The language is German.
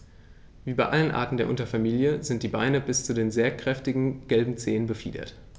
Wie bei allen Arten der Unterfamilie sind die Beine bis zu den sehr kräftigen gelben Zehen befiedert.